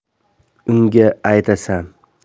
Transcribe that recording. unga aytasan